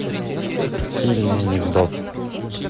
стильный анекдот